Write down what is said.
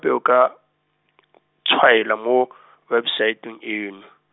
-pe o ka , tshwaela mo , website ng- eno.